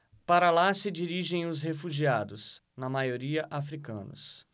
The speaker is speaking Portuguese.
para lá se dirigem os refugiados na maioria hútus